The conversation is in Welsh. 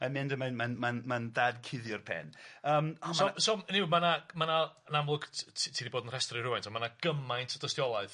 Mae'n mynd a mae'n ma'n ma'n ma'n dad cuddio'r pen yym on' ma'... So so ynny yw ma' 'na ma' 'na yn amlwg t- t- ti di bod yn rhestru rŵan t'mo ma' 'na gymaint o dystiolaeth